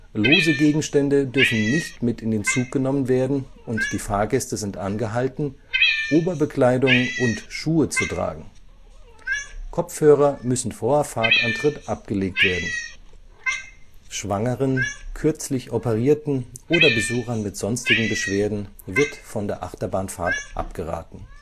Lose Gegenstände dürfen nicht mit in den Zug genommen werden und die Fahrgäste sind angehalten, Oberbekleidung und Schuhe zu tragen. Kopfhörer müssen vor Fahrtantritt abgelegt werden. Schwangeren, kürzlich operierten oder Besuchern mit sonstigen Beschwerden, wird von der Achterbahnfahrt abgeraten